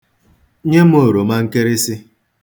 Nye m oromankịrịsị.